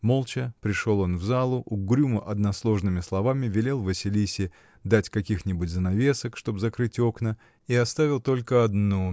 Молча пришел он в залу, угрюмо, односложными словами, велел Василисе дать каких-нибудь занавесок, чтоб закрыть окна, и оставил только одно